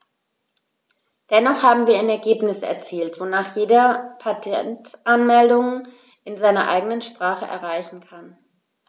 Dennoch haben wir ein Ergebnis erzielt, wonach jeder Patentanmeldungen in seiner eigenen Sprache einreichen kann.